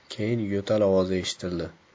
keyin yo'tal ovozi eshitildi